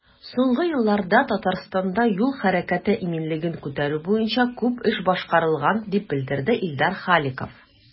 Соңгы елларда Татарстанда юл хәрәкәте иминлеген күтәрү буенча күп эш башкарылган, дип белдерде Илдар Халиков.